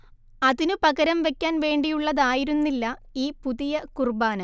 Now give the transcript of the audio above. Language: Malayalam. അതിനു പകരം വയ്ക്കാൻ വേണ്ടിയുള്ളതായിരുന്നില്ല ഈ പുതിയ കുർബ്ബാന